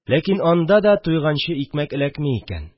Ләкин анда да туйганчы икмәк эләкми икән